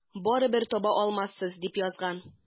Барыбер таба алмассыз, дип язган.